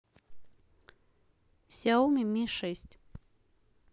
сяоми ми шесть